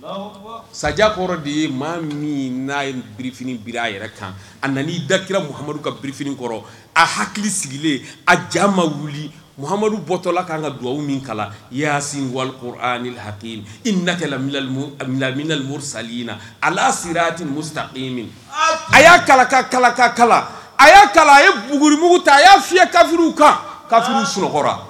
Kɔrɔ de ye maa min n'a yerifini bi a yɛrɛ kan a nan' i dakira mumadu ka birif kɔrɔ a hakili sigilen a ja ma wuli mumadu bɔtɔla ka kan ka dugawuwa min kala ya ni hakili i nalimiinalimuru saliyiina aa sigira ati muta e ye min a y'a kalaka kalaka kala a y'a kala a ye guguuruugu ta a y' fi kafuru kan ka sukɔrɔ